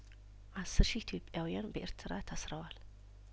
አስር ሺ ኢትዮጵያውያን በኤርትራ ታስረዋል